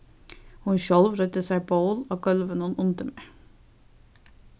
hon sjálv reiddi sær ból á gólvinum undir mær